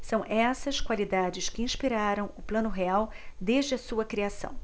são essas qualidades que inspiraram o plano real desde a sua criação